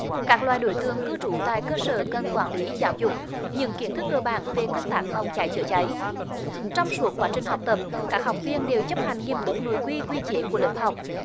các loại đối tượng cư trú tại cơ sở cần quản lý giáo dục những kiến thức cơ bản về công tác phòng cháy chữa cháy trong suốt quá trình học tập các học viên đều chấp hành nghiêm túc nội quy quy chế của lớp học